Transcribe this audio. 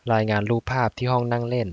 รายงานรูปภาพที่ห้องนั่งเล่น